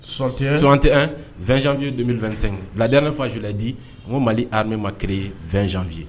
Sɔt sɔt wɛnfiye donmi2 ladi ne fazjulaladi ko mali hamema kelenre ye wzɛnfiye ye